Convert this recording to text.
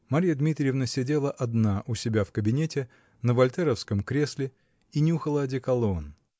Марья Дмитриевна сидела одна у себя в кабинете на вольтеровском кресле и нюхала одеколон